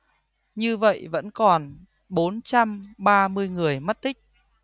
như vậy vẫn còn bốn trăm ba mươi người mất tích